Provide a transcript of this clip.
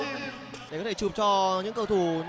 thể chụp cho những cầu thủ những